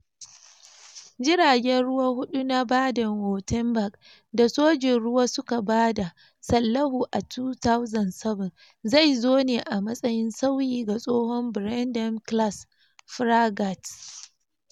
Jiragen ruwa hudu na Baden-Wuerttemberg da Sojin ruwa suka bada sallahu a 2007 zai zo ne a matsayin sauyi ga tsohon Bremen-class frigates.